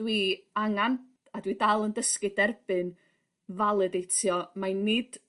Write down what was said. Dwi angan a dwi dal yn dysgu derbyn faledeitio mai nid